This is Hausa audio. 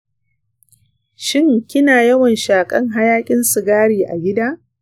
shin kina yawan shakan hayakin sigari a gida?